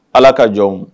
Ala ka jɔn